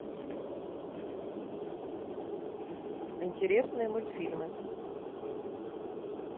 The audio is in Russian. интересные мультфильмы